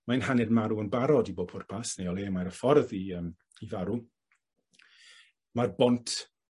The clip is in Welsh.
Mae'n hanner marw yn barod i bob pwrpas neu o leua mae ar y ffordd i yym i farw. Ma'r bont